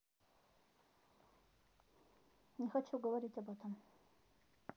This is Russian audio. не хочу говорить об этом